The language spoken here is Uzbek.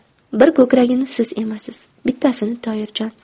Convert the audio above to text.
bir ko'kragini siz emasiz bittasini toyirjon